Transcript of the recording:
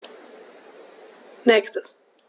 Nächstes.